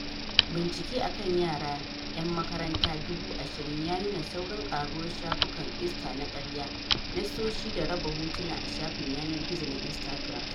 Bincike a kan yara yan makaranta 20,000 ya nuna saurin karuwar shafukan “Insta na karya” - nassoshi da raba hotuna a shafin yanar-gizo na Instagram.